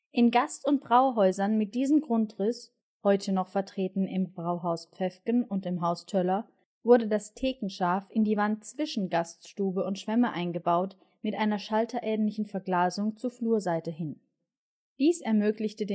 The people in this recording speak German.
In Gast - und Brauhäusern mit diesem Grundriss, heute noch vertreten im Brauhaus Päffgen und im Haus Töller, wurde das Thekenschaaf in die Wand zwischen Gaststube und Schwemme eingebaut, mit einer schalterähnlichen Verglasung zur Flurseite hin. Dies ermöglichte